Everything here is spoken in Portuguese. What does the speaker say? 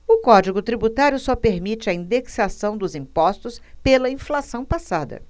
o código tributário só permite a indexação dos impostos pela inflação passada